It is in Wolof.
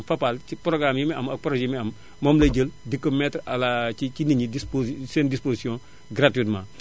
Fapal ci programmes yi muy am ak projets yi muy am moom lay jël di ko mettre à la ci nit ñi disposi seen disposition gratuitement